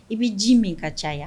I bɛ ji min ka caaya